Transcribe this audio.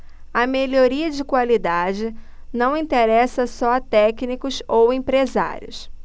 a melhoria da qualidade não interessa só a técnicos ou empresários